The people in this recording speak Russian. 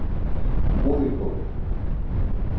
бойко